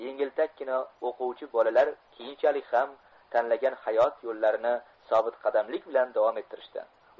yengiltakkina o'quvchi bolalar keyinchalik ham tanlagan hayot yo'llarini sobitqadamlik bilan davom ettirishdi